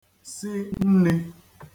si nnī